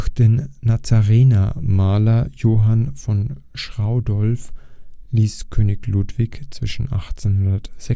den Nazarenermaler Johann von Schraudolph ließ König Ludwig zwischen 1846